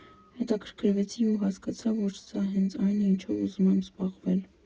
Հետաքրքրվեցի ու հասկացա, որ սա հենց այն է, ինչով ուզում եմ զբաղվել։